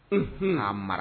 Hhun'a mara